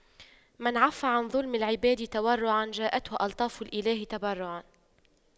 من عَفَّ عن ظلم العباد تورعا جاءته ألطاف الإله تبرعا